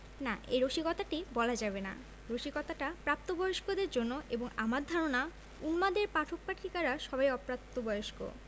না এই রসিকতাটি বলা যাবে না রসিকতাটা প্রাত বয়স্কদের জন্যে এবং অমির ধারণা উন্মাদের পাঠক পাঠিকারা সবাই অপ্রাপ্তবয়স্ক